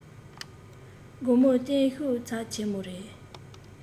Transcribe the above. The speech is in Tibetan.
དགོང མོ བསྟན བཤུག ཚབས ཆེན མོ རེ